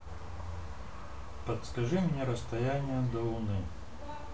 подскажи мне расстояние до луны